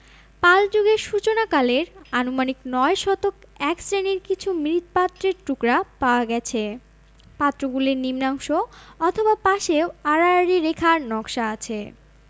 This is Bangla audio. পালযুগের সূচনা কালের আনুমানিক নয় শতক এক শ্রেণির কিছু মৃৎপাত্রের টুকরা পাওয়া গেছে পাত্রগুলির নিম্নাংশ অথবা পাশেও আড়াআড়ি রেখার নকশা আছে